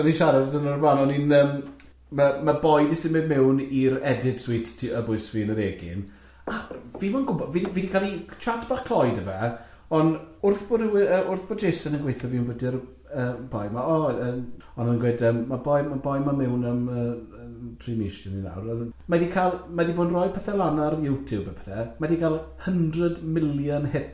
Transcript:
O'n i'n siarad amdano nhw dwrnod o'r blan, o'n i'n yym ma' ma' boi di symud mewn i'r edit suite ti- o bwys fi yn yr egin, a fi moyn yn gwbod, fi di fi di ca'l i chat bach cloi da fe, ond wrth bo' ryw- yy wrth bo' Jason yn gweithio fi ond bod yr yy boi ma' o yn ond o'n gweud yym ma' boi ma' boi ma' mewn am yy yym tri mish dwi'n mynd nawr ond mae di ca'l, mae di bod yn rhoi pethe lan ar YouTube a pethe, mae di ca'l hundred million hits ar un fideo.